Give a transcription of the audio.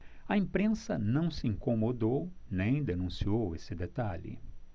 a imprensa não se incomodou nem denunciou esse detalhe